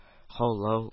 Һаулау